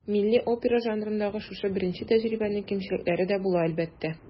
Милли опера жанрындагы шушы беренче тәҗрибәнең кимчелекләре дә була, әлбәттә.